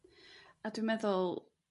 A dwi meddwl